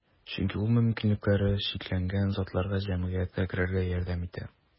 Чөнки ул мөмкинлекләре чикләнгән затларга җәмгыятькә керергә ярдәм итә.